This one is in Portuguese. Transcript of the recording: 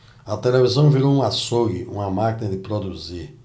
a televisão virou um açougue uma máquina de produzir